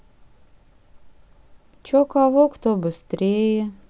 че кого кто быстрее